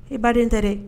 E baden tɛ dɛ